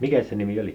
mikäs sen nimi oli